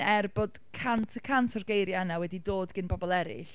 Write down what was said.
er bod cant y cant o'r geiriau yna wedi dod gan bobl eraill...